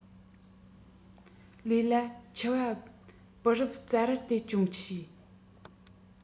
ལུས ལ ཕྱུ པ སྤུ རུབ རྩབ རལ དེ གྱོན བྱས